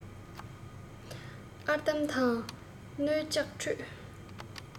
ཨར དམ དང རྣོ ལྕགས ཁྲོད